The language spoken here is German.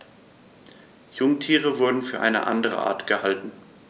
Jungtiere wurden für eine andere Art gehalten.